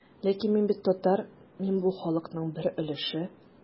Ләкин мин бит татар, мин бу халыкның бер өлеше.